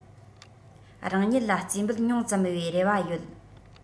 རང ཉིད ལ རྩིས འབུལ ཉུང ཙམ བའི རེ བ ཡོད